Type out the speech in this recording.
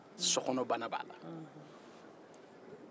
sokɔnɔbana b'a la